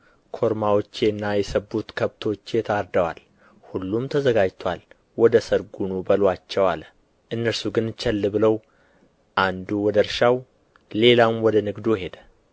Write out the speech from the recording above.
ኮርማዎቼና የሰቡት ከብቶቼ ታርደዋል ሁሉም ተዘጋጅቶአል ወደ ሰርጉ ኑ በሉአቸው አለ እነርሱ ግን ቸል ብለው አንዱ ወደ እርሻው ሌላውም ወደ ንግዱ ሄደ